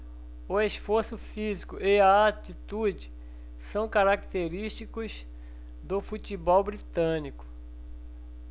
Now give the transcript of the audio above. o esforço físico e a atitude são característicos do futebol britânico